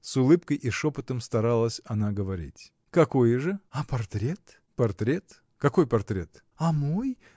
— с улыбкой и шепотом старалась она говорить. — Какое же? — А портрет? — Портрет, какой портрет? — А мой!